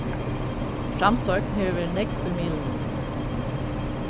framsókn hevur verið nógv í miðlunum